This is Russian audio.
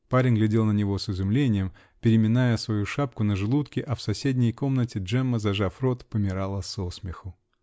Парень глядел на него с изумлением, переминая свою шапку на желудке, а в соседней комнате Джемма, зажав рот, помирала со смеху.